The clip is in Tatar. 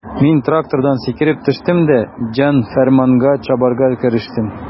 Мин трактордан сикереп төштем дә җан-фәрманга чабарга керештем.